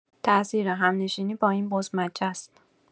تاثیر همنشینی با این بزمجه ست.